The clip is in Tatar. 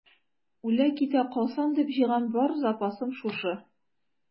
Үлә-китә калсам дип җыйган бар запасым шушы.